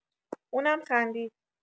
اونم خندید.